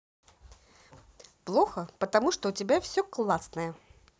плохо потому что у тебя все классное